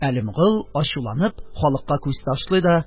Әлемгол, ачуланып, халыкка күз ташлый да: